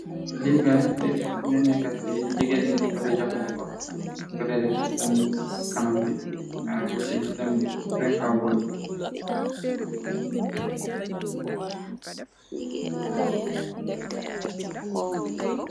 Likay nenekafi jige liñu ko di joxalé ko grere susen kanam bi susen cowbor bi.